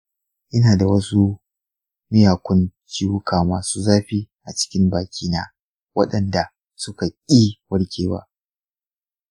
ina da wasu miyakun ciwuka masu zafi a cikin bakina waɗanda suka ƙi warkewa.